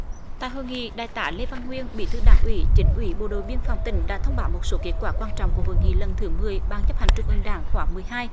tại hội nghị đại tá lê văn nguyên bí thư đảng ủy chính ủy bộ đội biên phòng tỉnh đã thông báo một số kết quả quan trọng của hội nghị lần thứ mười ban chấp hành trung ương đảng khóa mười hai